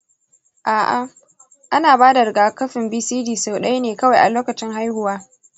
a'a, ana bada rigakafin bcg sau ɗaya ne kawai loakcin haihuwa.